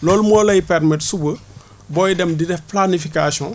loolu moo lay permettre suba booy dem di def planification